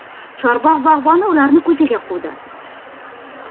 chorbog' bog'boni ularni ko'chaga quvdi